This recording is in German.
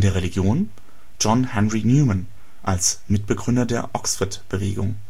Religion John Henry Newman als Mitbegründer der Oxford-Bewegung